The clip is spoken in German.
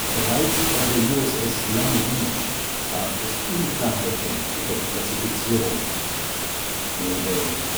Bereits bei der USS Long Beach gab es Unklarheiten über die Klassifizierung. Neben